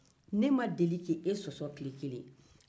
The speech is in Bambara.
ne ma deli ka e sɔsɔ tile kelen